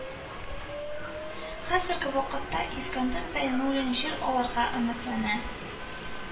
Хәзерге вакытта Искәндәр Зәйнуллин җир алырга өметләнә